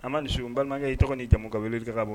A ma misisiw balimakankɛ i tɔgɔ ni jamu ka wuli k ka bɔ